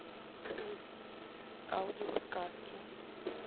аудиосказки